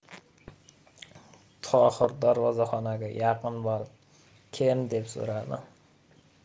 tohir darvozaxonaga yaqin borib kim deb so'radi